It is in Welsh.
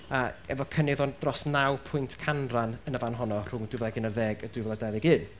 a efo cynnydd o dros naw pwynt canran yn y fan honno rhwng dwy fil ac unarddeg a dwy fil ac dau ddeg un.